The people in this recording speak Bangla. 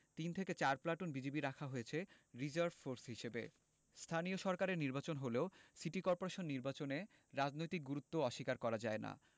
তিন থেকে চার প্লাটুন বিজিবি রাখা হয়েছে রিজার্ভ ফোর্স হিসেবে স্থানীয় সরকারের নির্বাচন হলেও সিটি করপোরেশন নির্বাচনের রাজনৈতিক গুরুত্ব অস্বীকার করা যায় না